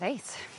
Reit